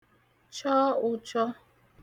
chọ ụ̄chọ̄